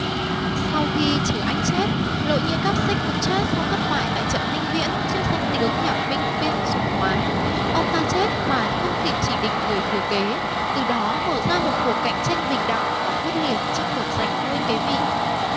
sau khi chử anh chết nỗ nhĩ cáp xích cũng chết sau thất bại tại trận ninh viễn trước danh tướng nhà minh viên sùng hoán ông ta chết mà không kịp chỉ định người thừa kế từ đó mở ra một cuộc cạnh tranh bình đẳng và quyết liệt trong việc giành ngôi kế vị